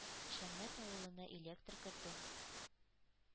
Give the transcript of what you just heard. Шәммәт авылына электр кертү